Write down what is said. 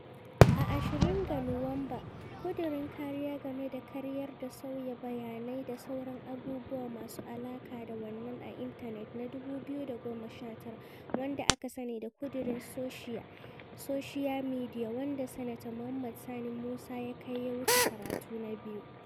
A 20 ga Nuwamba, kudirin kariya game da ƙarya da sauya bayanai da sauran abubuwa masu a alaƙa da wannan a intanet na 2019, wanda aka sani da "kudirin soshiya mediya" wanda sanata Mohammed Sani Musa ya kai, ya wuce karatu na biyu.